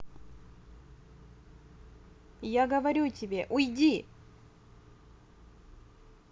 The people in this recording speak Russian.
я говорю тебе уйди